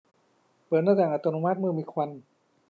เปิดหน้าต่างอัตโนมัติเมื่อมีควัน